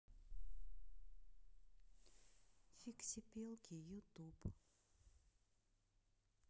фиксипелки ютуб